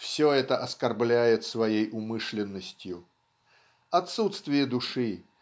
все это оскорбляет своей умышленностью. Отсутствие души